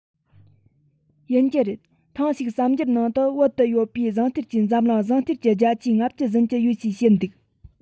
ཡིན གྱི རེད ཐེངས ཤིག གསར འགྱུར ནང དུ བོད དུ ཡོད པའི ཟངས གཏེར གྱིས འཛམ གླིང ཟངས གཏེར གྱི བརྒྱ ཆ ལྔ བཅུ ཟིན གྱི ཡོད ཞེས བཤད འདུག